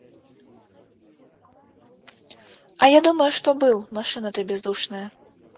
а я думаю что был машина ты бездушная